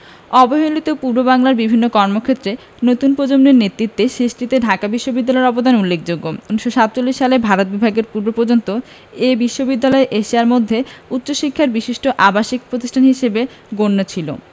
অবহেলিত পূর্ববাংলার বিভিন্ন কর্মক্ষেত্রে নতুন প্রজন্মের নেতৃত্ব সৃষ্টিতে ঢাকা বিশ্ববিদ্যালয়ের অবদান উল্লেখযোগ্য ১৯৪৭ সালে ভারত বিভাগের পূর্বপর্যন্ত এ বিশ্ববিদ্যালয় এশিয়ার মধ্যে উচ্চশিক্ষার বিশিষ্ট আবাসিক প্রতিষ্ঠান হিসেবে গণ্য ছিল